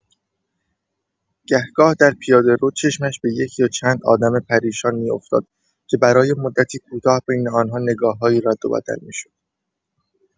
گه‌گاه در پیاده‌رو چشمش به یک یا چند آدم پریشان می‌افتاد که برای مدتی کوتاه بین آن‌ها نگاه‌هایی رد و بدل می‌شد.